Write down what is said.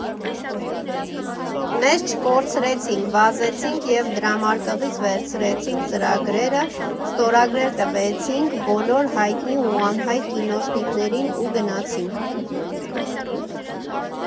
Մեզ չկորցրեցինք, վազեցինք և դրամարկղից վերցրեցինք ծրագրերը, ստորագրել տվեցինք բոլոր հայտնի ու անհայտ կինոշնիկներին ու գնացինք.